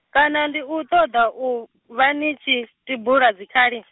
kana ndi u ṱoḓa u, vha ni tshi, tibula dzikhali?